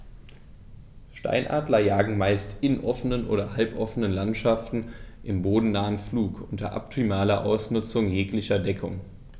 Steinadler jagen meist in offenen oder halboffenen Landschaften im bodennahen Flug unter optimaler Ausnutzung jeglicher Deckung.